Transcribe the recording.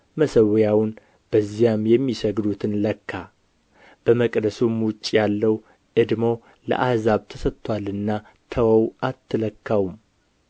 መሠዊያውን በዚያም የሚሰግዱትን ለካ በመቅደሱም ውጭ ያለው እድሞ ለአሕዛብ ተሰጥቶአልና ተወው አትለካውም